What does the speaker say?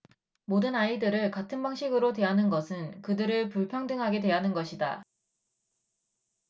모든 아이들을 같은 방식으로 대하는 것은 그들을 불평등하게 대하는 것이다